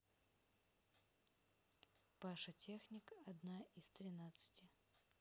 паша техник одна из тринадцати